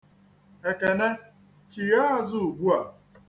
Ekene, chighaa azụ ugbua.